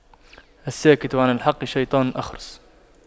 الساكت عن الحق شيطان أخرس